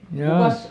jaa